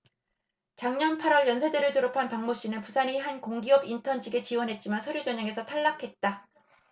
작년 팔 월 연세대를 졸업한 박모씨는 부산의 한 공기업 인턴 직에 지원했지만 서류 전형에서 탈락했다